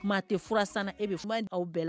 Kuma tɛ fura san e bɛ